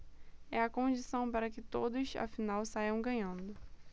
é a condição para que todos afinal saiam ganhando